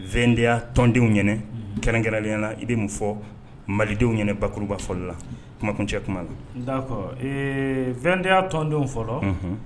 Wdenyaya tɔndenw ɲɛna kɛrɛnkɛrɛnlenya na i bɛ mun fɔ malidenw ɲɛna baba fɔlɔli la kumakun cɛ kuma na vdenyaya tɔndenw fɔlɔ